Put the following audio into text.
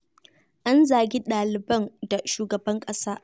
An zargi ɗaliban da "shugaban ƙasa."